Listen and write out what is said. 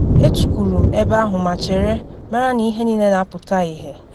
Etukwuru m ebe ahụ ma chere, mara na ihe niile na apụta ihie.